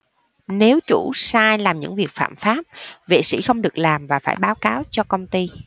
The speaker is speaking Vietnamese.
nếu chủ sai làm những việc phạm pháp vệ sĩ không được làm và phải báo cáo cho công ty